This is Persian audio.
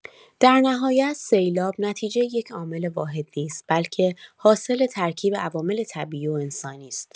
در نهایت، سیلاب نتیجه یک عامل واحد نیست، بلکه حاصل ترکیب عوامل طبیعی و انسانی است.